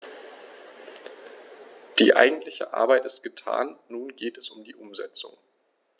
Die eigentliche Arbeit ist getan, nun geht es um die Umsetzung.